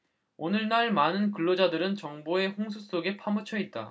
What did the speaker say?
오늘날 많은 근로자들은 정보의 홍수 속에 파묻혀 있다